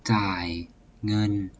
จ่ายเงิน